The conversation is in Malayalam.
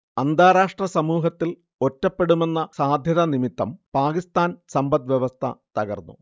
അന്താരാഷ്ട്ര സമൂഹത്തിൽ ഒറ്റപ്പെടുമെന്ന സാധ്യത നിമിത്തം പാകിസ്താൻ സമ്പദ് വ്യവസ്ഥ തകർന്നു